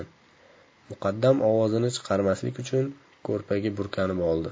muqaddam ovozini chiqarmaslik uchun ko'rpaga burkanib oldi